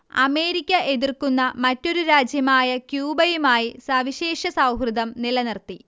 America എതിർക്കുന്ന മറ്റൊരു രാജ്യമായ ക്യൂബയുമായി സവിശേഷ സൗഹൃദം നിലനിർത്തി